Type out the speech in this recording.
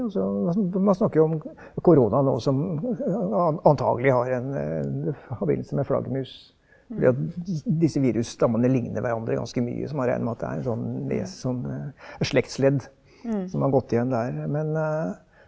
altså altså man snakker jo om korona nå som antagelig har en forbindelse med flaggermus fordi at disse virusstammene ligner hverandre ganske mye, så man regner med at det er en sånn som et slektsledd som har gått igjen der men .